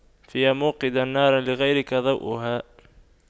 فيا موقدا نارا لغيرك ضوؤها